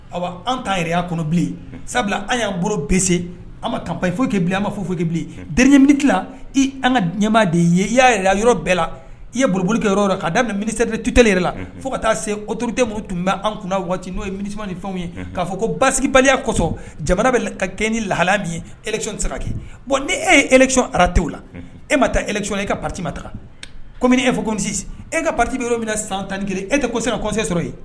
Aw an' yɛrɛ kɔnɔ bilen sabula an y'an bolo bɛ an ma kanbayi foyi k bilen an ma foyi foyi bilen dti i an ka ɲɛɲɛmaa de ye i y'a yɛrɛ a yɔrɔ bɛɛ la i ye bolibolokɛ yɔrɔ la k'a daminɛ miniri tute yɛrɛ la fo ka taa se otourute minnu tun bɛan kun waati n'o ye miniti ni fɛnw ye k'a fɔ ko basibaliya kɔsɔn jamana bɛ ka kɛ ni lahala min ye esonon saraka bɔn ni e ye ec ara te o la e ma taa ecɔn ye e ka patima taga kɔmimmini e fɔsi e ka pati yɔrɔ min na san tan ni kelen e tɛ ko se kɔkisɛ sɔrɔ yen